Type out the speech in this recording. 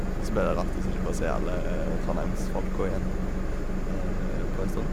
Og så blir det rart å så ikke få se alle Trondheims-folka igjen på ei stund.